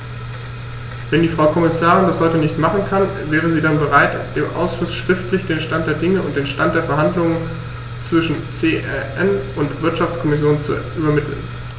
Wenn die Frau Kommissarin das heute nicht machen kann, wäre sie dann bereit, dem Ausschuss schriftlich den Stand der Dinge und den Stand der Verhandlungen zwischen CEN und Wirtschaftskommission zu übermitteln?